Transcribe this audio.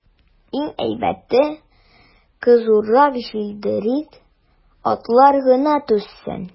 Иң әйбәте, кызурак җилдерик, атлар гына түзсен.